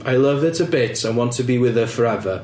I love her to bits and want to be with her forever.